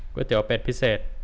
ก๋วยเตี๋ยวเป็ดพิเศษ